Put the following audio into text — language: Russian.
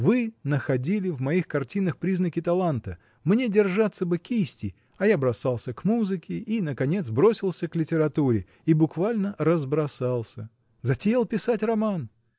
Вы находили в моих картинах признаки таланта: мне держаться бы кисти, а я бросался к музыке и, наконец, бросился к литературе — и буквально разбросался! Затеял писать роман!